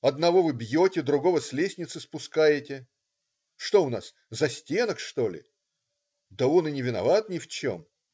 Одного вы бьете, другого с лестницы спускаете!" -"Что у нас, застенок, что ли!" - "Да он и не виноват ни в чем".